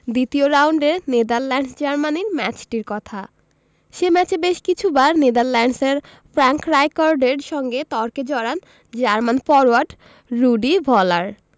দ্বিতীয় রাউন্ডের Netherlands Germany ম্যাচটির কথা সে ম্যাচে বেশ কিছুবার নেদারল্যান্ডসের ফ্র্যাঙ্ক রাইকার্ডের সঙ্গে তর্কে জড়ান জার্মান ফরোয়ার্ড রুডি ভলার